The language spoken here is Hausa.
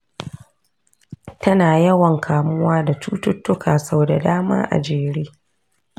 tana yawan kamuwa da cututtuka sau da dama a jere.